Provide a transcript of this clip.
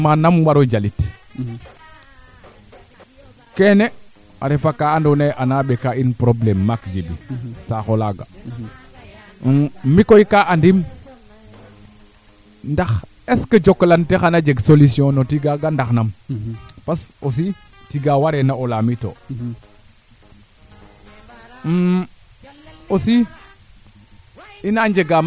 ndaa a saytaxa le de mbaruuna mbaago saxtu bo a ngeekino yo bo wala boog a ndeta le de mbaaruna ndeet par rapport foo meteo xayna ana ñako ndeta no yo kaa aumatiquement kaa njumblu xooxta no ke ando naye ten refatu calel ke cale cale badoole ke a ñofo ngeeka yiin au lieu de ngoto varieté keene a ngotan a o xeeke kat ana foora teela wala o xene jagru fo a teɓake